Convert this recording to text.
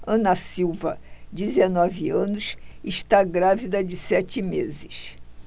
ana silva dezenove anos está grávida de sete meses